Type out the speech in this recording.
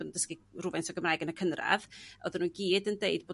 yn dysgu r'wfaint o Gymraeg yn y cynradd o'dda n'w i gyd yn deud bod